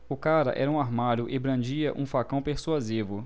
o cara era um armário e brandia um facão persuasivo